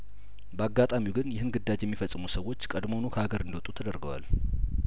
በአጋጣሚው ግን ይህን ግዳጅ የሚፈጽሙት ሰዎች ቀድሞውኑ ከአገር እንደወጡ ተደርገዋል